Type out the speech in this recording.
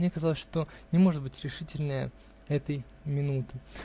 Мне казалось, что не может быть решительнее этой минуты.